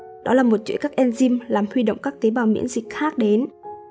đó là một chuỗi enzyme làm huy động các tế bào miễn dịch khác đến